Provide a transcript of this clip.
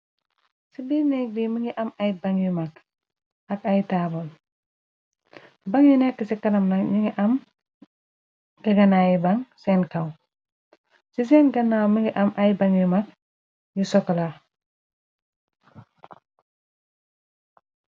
Ci biir néggr yi më ngi am ay bang yu mag ak ay taaboon ban yu nekk ci kanam na nu ngi am gaganayi baŋ seen kaw ci seen gannaaw më ngi am ay ban yu mag yu sokla.